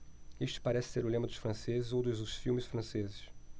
este parece ser o lema dos franceses ou dos filmes franceses